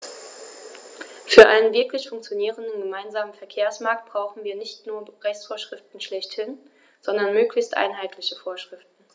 Für einen wirklich funktionierenden gemeinsamen Verkehrsmarkt brauchen wir nicht nur Rechtsvorschriften schlechthin, sondern möglichst einheitliche Vorschriften.